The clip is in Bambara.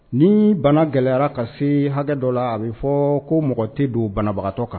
Ni bana gɛlɛyara ka se hakɛ dɔ la a bɛ fɔ ko mɔgɔ tɛ don banabagatɔ kan